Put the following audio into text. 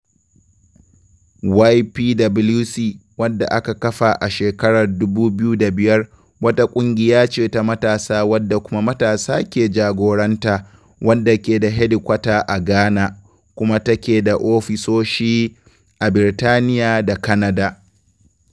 YPWC, wanda aka kafa a shekarar 2005, wata ƙungiya ce ta matasa wadda kuma matasa ke jagoranta wadda ke da hedikwata a Ghana, kuma ta ke da ofisoshi a Birtaniya da Canada.